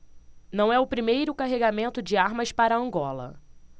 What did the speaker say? não é o primeiro carregamento de armas para angola